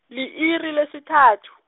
li-iri lesithathu.